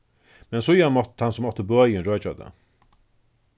men síðani mátti tann sum átti bøin røkja tað